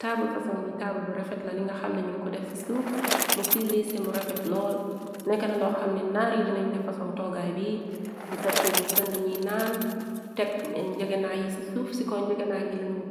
Taabul fasong bi taabul bu refet la li nga xam nañuñ ko def ci suuf mu su liise mu refet lool nekk na lo xam ni naari dinañ defason toggaay bi ñu tekk fuufu seen liñuy naan tekk njegenaa yi ci suuf ci ko njegenaa yi lañuy